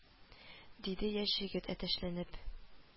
Диде яшь җегет, әтәчләнеп